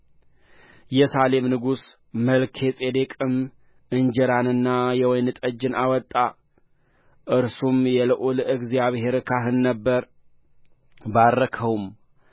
የሳሌም ንጉሥ መልከ ጼዴቅም እንጀራንና የወይን ጠጅን አወጣ እርሱም የልዑል እግዚአብሔር ካህን ነበረ ባረከውም